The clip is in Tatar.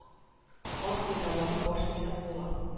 Кан кайнарланып баш миенә куыла